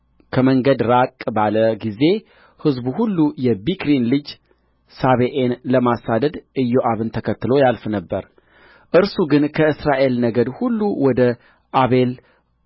ከመንገድ ራቅ ባለ ጊዜ ሕዝቡ ሁሉ የቢክሪን ልጅ ሳቤዔን ለማሳደድ ኢዮአብን ተከትሎ ያልፍ ነበር እርሱ ግን ከእስራኤል ነገድ ሁሉ ወደ አቤል